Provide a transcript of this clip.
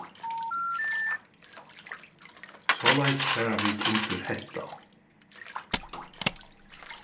soleiðis fara vit undir hetta